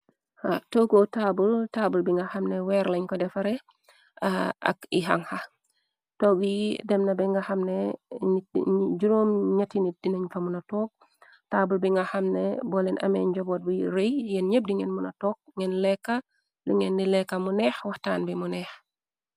Toogo taabul taabul bi nga xamne weerlañ ko defare ak i hanha tog yi dem na bi nga xam ne 9 ñti nit dinañ fa muna took taabul bi nga xamne boleen ameeñ joboot buy rëy yen ñep di ngeen muna took ngeen lekka lu ngeen ni leeka mu neex waxtaan bi mu neex.